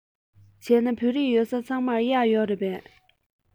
བྱས ན བོད རིགས ཡོད ས ཚང མར གཡག ཡོད རེད པས